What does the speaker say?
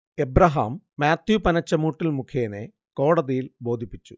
Abraham Mathew Panachamoottil മുഖേനെ കോടതിയിൽ ബോധിപ്പിച്ചു